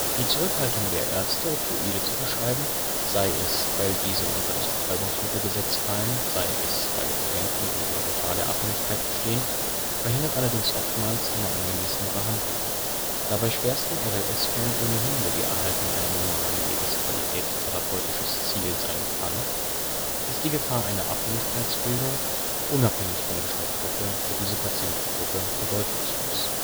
Die Zurückhaltung der Ärzte, Opioide zu verschreiben – sei es, weil diese unter das Betäubungsmittelgesetz fallen, sei es, weil Bedenken wegen der Gefahr der Abhängigkeit bestehen – verhindert allerdings oftmals eine angemessene Behandlung. Da bei schwersten RLS-Fällen ohnehin nur die Erhaltung einer minimalen Lebensqualität therapeutisches Ziel sein kann, ist die Gefahr einer Abhängigkeitsbildung – unabhängig von der Stoffgruppe – für diese Patientengruppe bedeutungslos